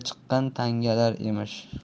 chiqqan tangalar emish